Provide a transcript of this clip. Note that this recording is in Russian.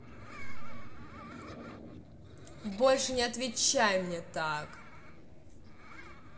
больше не отвечай мне так